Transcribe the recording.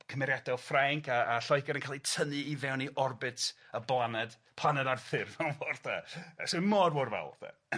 cymeriada o Ffrainc a a Lloeger yn ca'l eu tynnu i fewn i orbit y blaned planed Arthur sy mor mor fawr 'de.